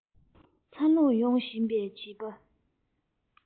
འཚར ལོངས ཡོང བཞིན པའི བྱིས པ